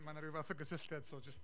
Ma' 'na ryw fath o gysylltiad, so jyst...